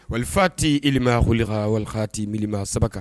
Walfaatihi lima kalaka wal kaatimi lima sabaka